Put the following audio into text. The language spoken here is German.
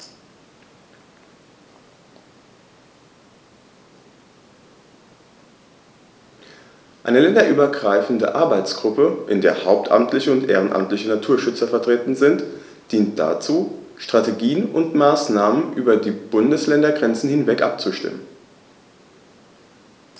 Eine länderübergreifende Arbeitsgruppe, in der hauptamtliche und ehrenamtliche Naturschützer vertreten sind, dient dazu, Strategien und Maßnahmen über die Bundesländergrenzen hinweg abzustimmen.